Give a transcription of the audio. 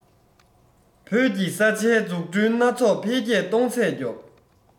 བོད ཀྱི ས ཆའི འཛུགས སྐྲུན སྣ ཚོགས འཕེལ རྒྱས གཏོང ཚད མགྱོགས